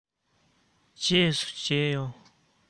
རྗེས སུ མཇལ ཡོང